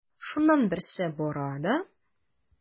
Шуннан берсе бара да:.